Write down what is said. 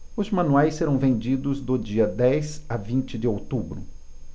os manuais serão vendidos do dia dez a vinte de outubro